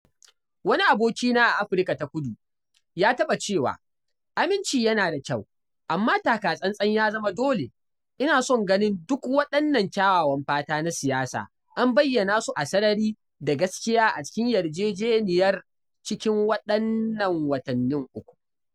Wani aboki na daga Afirka ta Kudu ya taɓa cewa: “Aminci yana da kyau, amma taka tsantsan ya zama dole!” [..] Ina son ganin duk waɗannan kyawawan fata na siyasa an bayyana su a sarari da gaskiya a cikin yarjejeniyar cikin waɗannan watanni uku!